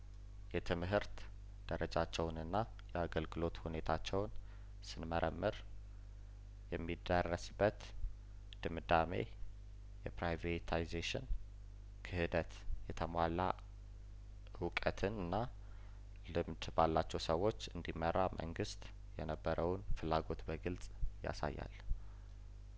የትምህርት ደረጃቸውንና የአገልግሎት ሁኔታቸውን ስንመረምር የሚደረስ በት ድምዳሜ የፕራይቬታይዜሽን ክህደት የተሟላ እውቀትና ልምድ ባላቸው ሰዎች እንዲመራ መንግስት የነበረውን ፍላጐት በግልጽ ያሳያል